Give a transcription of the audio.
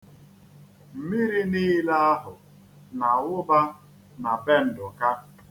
Mmiri niile ahụ na-awụba na be Nduka.